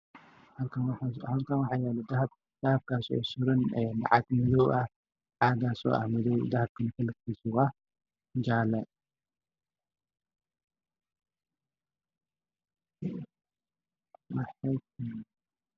Halkaan waxaa yaala dahab dahab kaa soo suran caag madow ah caagaa soo ah madow dahabka kalarkiisa waa jaalle